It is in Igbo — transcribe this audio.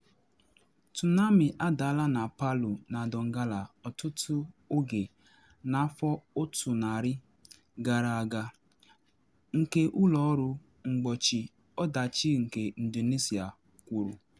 Tsunami adaala na Palu na Dongalla ọtụtụ oge n’afọ 100 gara aga, nke Ụlọ Ọrụ Mgbochi Ọdachi nke Indonedia kwuru.